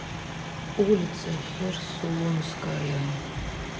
улица херсонская